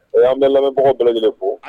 Wa an b'an lamɛnbaga bɛɛ lajɛlen fo.